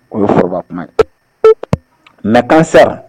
O ye foroba kuma ye nakan sera